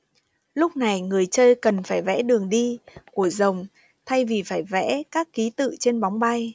lúc này người chơi cần phải vẽ đường đi của rồng thay vì phải vẽ các ký tự trên bóng bay